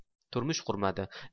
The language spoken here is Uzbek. turmush qurmadi